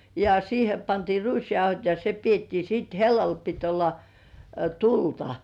ja siihen pantiin ruisjauhot ja se pidettiin sitten hellalla piti olla tulta